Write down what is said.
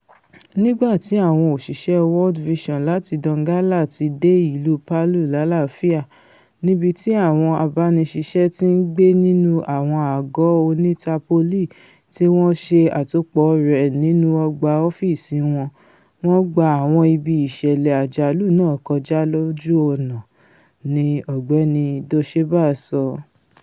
nígbàti àwọn òṣìṣẹ́ World Vision láti Donggala ti dé ìlú Palu lálàáfía, níbití àwọn abániṣiṣẹ́ tí ńgbé nínú àwọn àgọ́ oní-tapóólì tí wọn ṣe àtòpọ̀ rẹ̀ nínú ọgbà ọ́fíìsì wọn, wọ́n gba àwọn ibi ìṣẹ̀lẹ̀ àjálù náà kọjá lójú ọ̀nà, ni Ọ̀gbẹ́ni Doseba sọ.